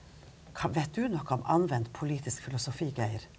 hva vet du noe om anvendt politisk filosofi Geir?